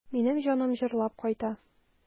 Минем җаным җырлап кайта.